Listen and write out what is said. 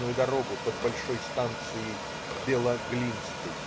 дорогу под большой станцией Бело-Глинской.